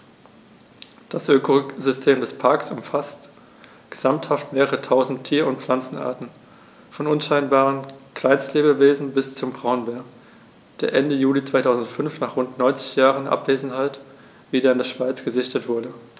Das Ökosystem des Parks umfasst gesamthaft mehrere tausend Tier- und Pflanzenarten, von unscheinbaren Kleinstlebewesen bis zum Braunbär, der Ende Juli 2005, nach rund 90 Jahren Abwesenheit, wieder in der Schweiz gesichtet wurde.